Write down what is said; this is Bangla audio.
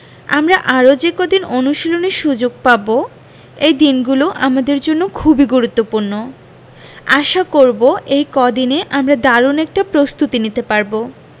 আমরা আরও যে কদিন অনুশীলনের সুযোগ পাব এই দিনগুলো আমাদের জন্য খুবই গুরুত্বপূর্ণ আশা করব এই কদিনে আমরা দারুণ একটা প্রস্তুতি নিতে পারব